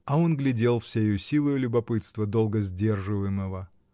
А он глядел всею силою любопытства, долго сдерживаемого.